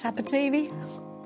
...Aberteifi.